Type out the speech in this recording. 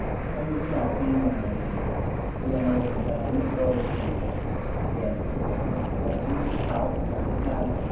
có nghĩa là khi piano đánh nốt c thì saxophone phải thổi một nốt ở quãng tương đương với nốt a